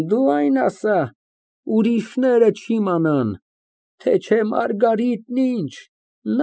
Դու այն ասա ֊ ուրիշները չիմանան, թե չէ՝ Մարգարիտն ինչ։